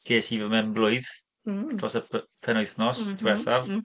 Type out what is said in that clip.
Ges i fy mhenblwydd... Mm. ...dros y p- penwythnos... M-hm mm. ...diwethaf.